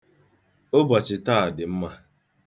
Ụbọchị taa dị mma.